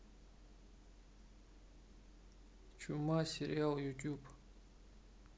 чума сериал ютуб